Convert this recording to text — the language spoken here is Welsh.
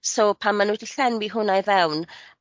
So pan ma' n'w 'di llenwi hwnna i fewn